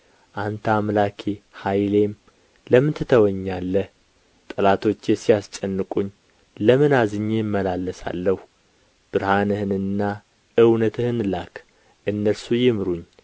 አንተ አምላኬ ኃይሌም ለምን ትተውኛለህ ጠላቶቼ ሲያስጨንቁኝ ለምን አዝኜ እመላለሳለሁ ብርሃንህንና እውነትህን ላክ እነርሱ ይምሩኝ